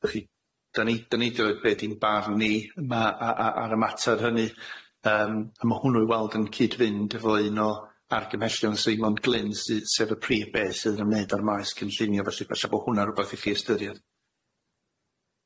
'Dach chi? Dan ni dan ni deu- be' dim barn ni yma a- a- ar y mater hynny yym a ma' hwnnw'i weld yn cyd-fynd efo un o argymhellion Seimon Glyn sy- sef y prif beth sydd yn ymwneud â'r maes cynllunio felly falla bo' hwnna rwbath i chi ystyried.